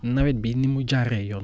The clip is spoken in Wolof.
nawet bi ni mu jaaree yoon